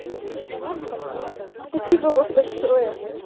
спасибо вам большое